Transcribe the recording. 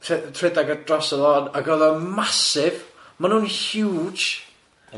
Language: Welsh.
...tre- treedag ar draws y lôn ag oedd o'n massive, ma' nhw'n huge.